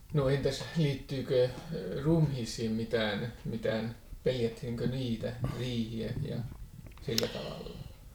no entäs liittyykö ruumiisiin mitään mitään pelättiinkö niitä riihiä ja sillä tavalla